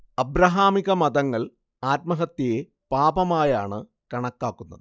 അബ്രഹാമികമതങ്ങൾ ആത്മഹത്യയെ പാപമായാണ് കണക്കാക്കുന്നത്